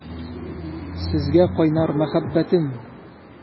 Сезгә кайнар мәхәббәтем!